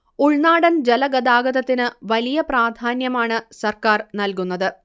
ഉൾനാടൻ ജലഗതാഗതത്തിനു വലിയ പ്രാധാന്യമാണു സർക്കാർ നൽകുന്നത്